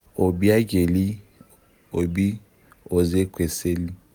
Obiageli [Oby] Ezekwesili